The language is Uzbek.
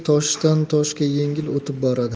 toshdan toshga yengil o'tib boradi